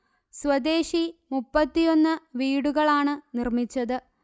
സ്വദേശി മുപ്പത്തിയൊന്ന് വീടുകളാണ് നിർമിച്ചത്